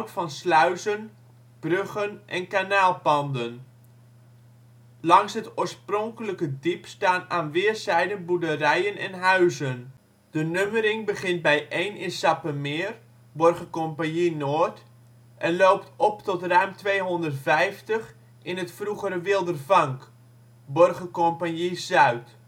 van sluizen, bruggen en kanaalpanden. Langs het oorspronkelijke diep staan aan weerszijden boerderijen en huizen. De nummering begint bij 1 in Sappemeer (Borgercompagnie-Noord) en loopt op tot ruim 250 in het vroegere Wildervank (Borgercompagnie-Zuid